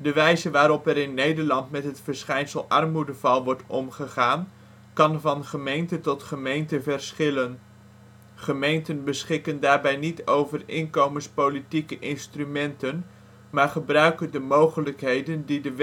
wijze waarop er in Nederland met het verschijnsel ' armoedeval ' wordt omgegaan kan van gemeente tot gemeente verschillen. Gemeenten beschikken daarbij niet over inkomenspolitieke instrumenten, maar gebruiken de mogelijkheden die de